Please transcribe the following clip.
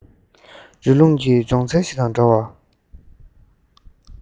རི ཀླུང གི ལྗོན ཚལ ཞིག དང འདྲ བར